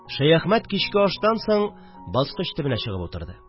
Шәяхмәт кичке аштан соң баскыч төбенә чыгып утырды